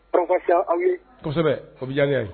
Faya aw ye kosɛbɛ obi diya ye